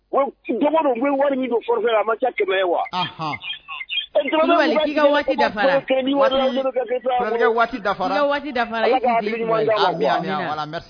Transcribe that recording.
Wa